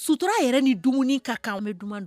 Sutura yɛrɛ ni dumuni ka'an bɛ di